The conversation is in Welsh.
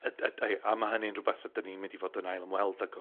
Yd- yd- a ie, a ma' hynny'n rwbeth rydyn ni'n mynd i fod yn ail-ymweld ag o.